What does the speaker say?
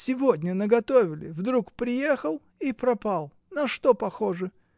Сегодня наготовили, вдруг приехал и пропал! На что похоже?